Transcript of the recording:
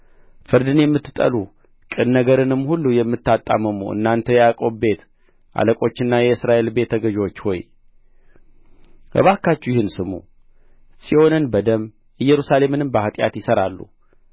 ፍርድን የምትጠሉ ቅን ነገርንም ሁሉ የምታጣምሙ እናንተ የያዕቆብ ቤት አለቆችና የእስራኤል ቤት ገዦች ሆይ እባካችሁ ይህን ስሙ ጽዮንን በደም ኢየሩሳሌምንም በኃጢአት ይሠራሉ